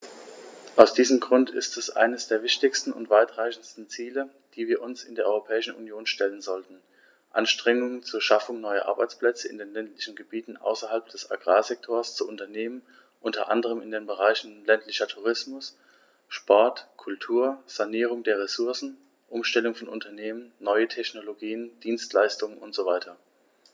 Aus diesem Grund ist es eines der wichtigsten und weitreichendsten Ziele, die wir uns in der Europäischen Union stellen sollten, Anstrengungen zur Schaffung neuer Arbeitsplätze in den ländlichen Gebieten außerhalb des Agrarsektors zu unternehmen, unter anderem in den Bereichen ländlicher Tourismus, Sport, Kultur, Sanierung der Ressourcen, Umstellung von Unternehmen, neue Technologien, Dienstleistungen usw.